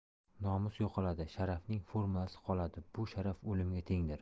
nomus yo'qoladi sharafning formulasi qoladi bu sharaf o'limiga tengdir